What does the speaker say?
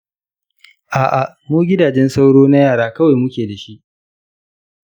a'a, mu gidajen sauro na yara kawai muke da su.